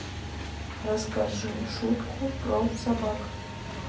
расскажи шутку про собак